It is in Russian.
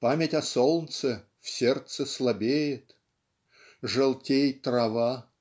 Память о солнце в сердце слабеет, Желтей трава